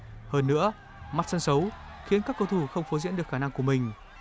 hơn nữa mặt sân xấu khiến các cầu thủ không phô diễn được khả năng của mình